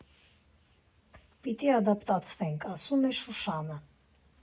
Պիտի ադապտացվենք,֊ ասում է Շուշանը։